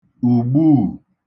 ùgbuù